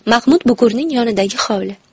mahmud bukurning yonidagi hovli